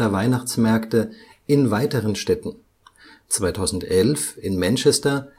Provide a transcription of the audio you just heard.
Weihnachtsmärkte in weiteren Städten, 2011 in Manchester